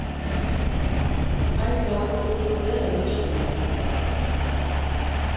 Այս զգացողությունները միշտ եմ ունեցել։